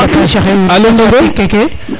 alo Ngongo